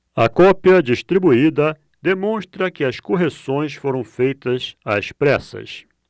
a cópia distribuída demonstra que as correções foram feitas às pressas